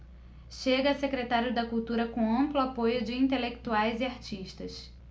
chega a secretário da cultura com amplo apoio de intelectuais e artistas